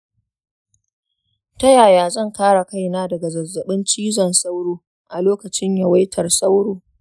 ta yaya zan kare kaina daga zazzaɓin cizon sauro a lokacin yawaitar sauro